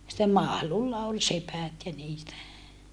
sitten Mahlulla oli sepät ja niitä